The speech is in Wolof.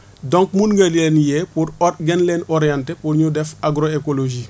donc mun nga leen yee pour or gën leen orienter pour ñu def agro écologie